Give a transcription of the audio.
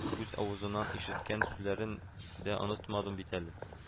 Үз авызыннан ишеткән сүзләрен дә онытмадым бит әле